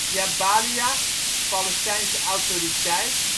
Jabalia (Palestijnse Autoriteit